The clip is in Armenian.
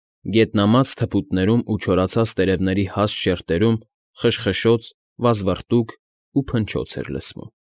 Գետնամած թփուտներում ու չորացած տերևների հաստ շերտում խշխշոց, վազվռտուք ու փնչոց էր լսվում։